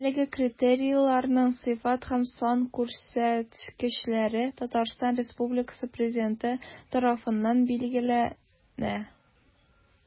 Әлеге критерийларның сыйфат һәм сан күрсәткечләре Татарстан Республикасы Президенты тарафыннан билгеләнә.